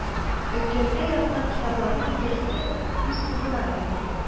Оггэлдә яткан китапларның берсе күз угына эләкте